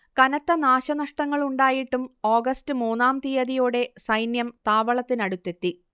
കനത്ത നാശനഷ്ടങ്ങളുണ്ടായിട്ടും ഓഗസ്റ്റ് മൂന്നാം തീയതിയോടെ സൈന്യം താവളത്തിനടുത്തെത്തി